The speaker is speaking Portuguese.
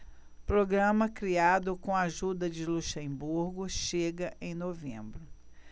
programa criado com a ajuda de luxemburgo chega em novembro